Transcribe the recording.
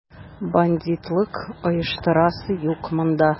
Бандитлык оештырасы юк монда!